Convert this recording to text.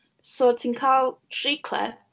So ti'n cael tri clip.